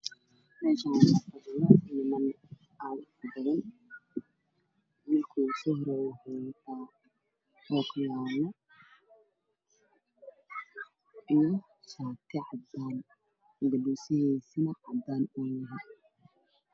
Meeshaan waxaa iiga muuqda nin wato ookiyaallo iyo niman kale oo aan wadin ookiyaalo iyo mid wato koofi cagaar ah